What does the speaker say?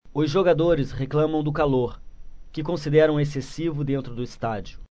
os jogadores reclamam do calor que consideram excessivo dentro do estádio